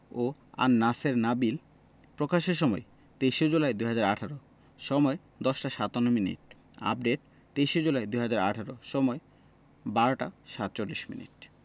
ও আন্ নাসের নাবিল প্রকাশের সময়ঃ ২৩ জুলাই ২০১৮ সময়ঃ ১০টা ৫৭ মিনিট আপডেট ২৩ জুলাই ২০১৮ সময় ১২টা ৪৭ মিনিট